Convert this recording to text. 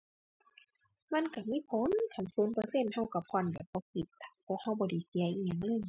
มันก็มีผล หั้นศูนย์เปอร์เซ็นต์ก็ก็ผ่อนได้ เพราะก็บ่ได้เสียอิหยังเลย